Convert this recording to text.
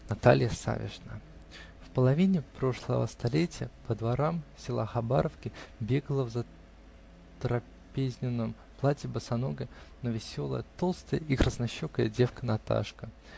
НАТАЛЬЯ САВИШНА. В половине прошлого столетия по дворам села Хабаровки бегала в затрапезном платье босоногая, но веселая, толстая и краснощекая девка Наташка.